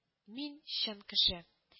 Мин — чын кеше